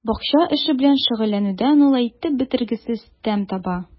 Бакча эше белән шөгыльләнүдән ул әйтеп бетергесез тәм таба.